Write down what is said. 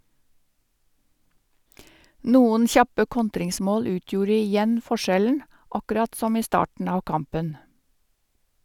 Noen kjappe kontringsmål utgjorde igjen forskjellen, akkurat som i starten av kampen.